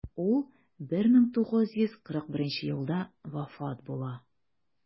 Ул 1941 елда вафат була.